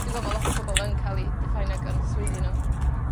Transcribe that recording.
dwi me'wl ma' lot o pobol yn ca'l 'u diffeinio gan swyddi n'w.